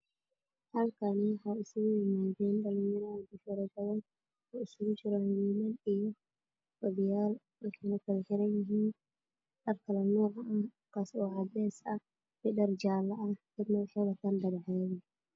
Halkan waxaa isugu imaaday wiilal dhalinyaro oo fara badan wataan shaati cadaan ishatiyo jaalo